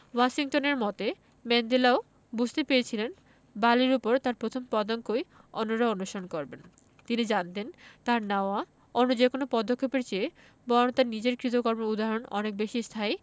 ওয়াশিংটনের মতো ম্যান্ডেলাও বুঝতে পেরেছিলেন বালির ওপর তাঁর প্রথম পদাঙ্কই অন্যেরা অনুসরণ করবেন তিনি জানতেন তাঁর নেওয়া অন্য যেকোনো পদক্ষেপের চেয়ে বরং তাঁর নিজের কৃতকর্মের উদাহরণ অনেক বেশি স্থায়ী